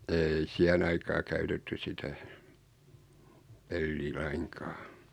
ei siihen aikaan käytetty sitä peliä lainkaan